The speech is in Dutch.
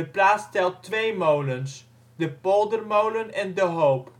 plaats telt twee molens: de Poldermolen en De Hoop